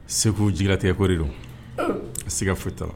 Segu j tɛ kori don a se ka futata